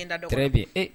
Da